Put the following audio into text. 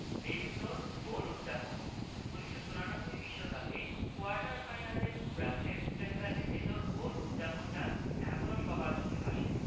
বেবেতোর গোল উদ্যাপন ১৯৯৪ বিশ্বকাপে কোয়ার্টার ফাইনালে ব্রাজিলিয়ান স্ট্রাইকার বেবেতোর গোল উদ্যাপনটা এখনো সবার চোখে ভাসে